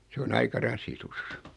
se on aika rasitus